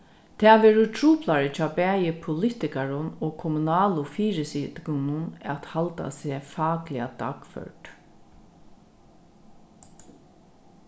tað verður truplari hjá bæði politikarum og kommunalu fyrisitingunum at halda seg fakliga dagførd